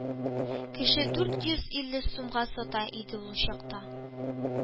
Кеше дүрт йөз илле сумга сата иде ул чакта.